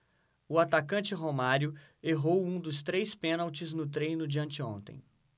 o atacante romário errou um dos três pênaltis no treino de anteontem